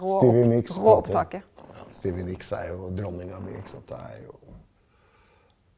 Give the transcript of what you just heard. Stevie Nicks ja Stevie Nicks er jo dronninga mi ikke sant, det er jo.